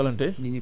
Jokalante